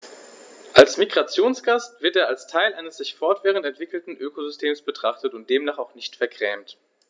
Als Migrationsgast wird er als Teil eines sich fortwährend entwickelnden Ökosystems betrachtet und demnach auch nicht vergrämt.